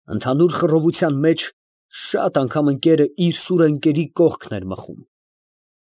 Ընդհանուր խռովության մեջ շատ անգամ ընկերը իր սուրը ընկերի կողքն էր մխում։